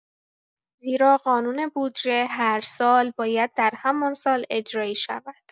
زیرا قانون بودجه هر سال، باید در همان سال اجرایی شود.